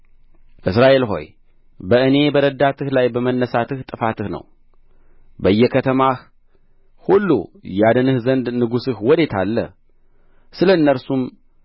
እስራኤል ሆይ በእኔ በረዳትህ ላይ በመነሣትህ ጥፋትህ ነው በየከተማህ ሁሉ ያድንህ ዘንድ ንጉሥህ ወዴት አለ ስለ እነርሱም